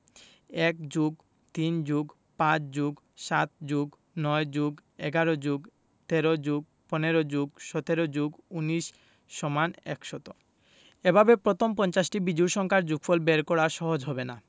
১+৩+৫+৭+৯+১১+১৩+১৫+১৭+১৯=১০০ এভাবে প্রথম পঞ্চাশটি বিজোড় সংখ্যার যোগফল বের করা সহজ হবে না